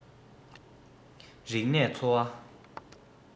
རིག གནས འཚོ བ